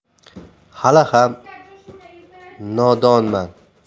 hali ham nodonman